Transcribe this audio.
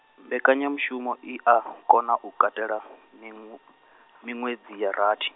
mbekanyamushumo i a kona u katela, minw-, miṅwedzi ya rathi.